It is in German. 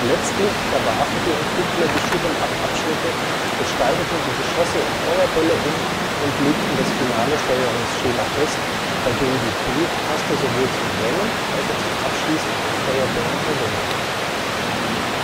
Letztlich verwarfen die Entwickler die Shoot -' em-up-Abschnitte, gestalteten die Geschosse in Feuerbälle um und legten das finale Steuerungsschema fest, bei dem die B-Taste sowohl zum Rennen als auch zum Abschießen von Feuerbällen verwendet wird.